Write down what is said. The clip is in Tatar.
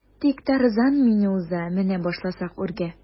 Тик Тарзан мине уза менә башласак үргә.